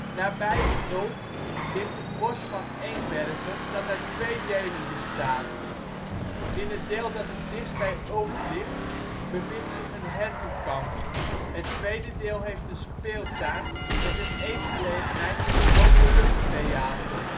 Nabij Ulft ligt het bos van Engbergen dat uit twee delen bestaat. In het deel dat het dichtst bij Ulft ligt, bevindt zich een hertenkamp; het tweede deel heeft een speeltuin met een eetgelegenheid en een openluchttheater